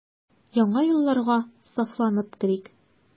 Яңа елларга сафланып керик.